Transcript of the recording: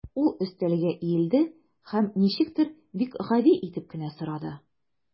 Ул өстәлгә иелде һәм ничектер бик гади итеп кенә сорады.